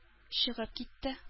Чыгып китте